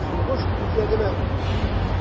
Сугыш үзәгемә үтеп керде...